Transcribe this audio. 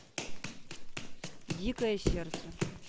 дикое сердце